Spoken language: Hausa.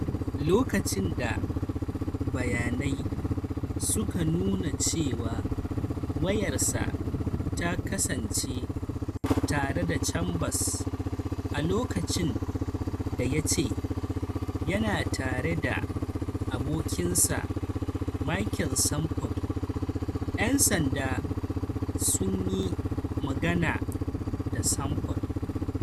Lokacin da bayanai suka nuna cewa wayarsa ta kasance tare da Chambers 'a lokacin da ya ce yana tare da abokinsa Michael Sanford,' yan sanda sun yi magana da Sanford.